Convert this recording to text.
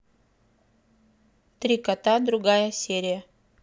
три кота другая серия